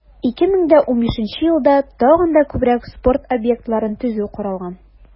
2015 елда тагын да күбрәк спорт объектларын төзү каралган.